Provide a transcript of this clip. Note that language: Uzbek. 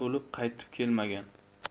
bo'lib qaytib kelmagan